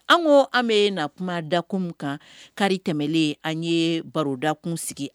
An ko an bɛ na kuma da kun kan kari tɛmɛlen an ye baroda kun sigi